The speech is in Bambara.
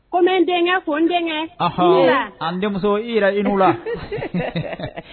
Ko n denkɛ ko n denkɛɔn an denmuso i yɛrɛ i la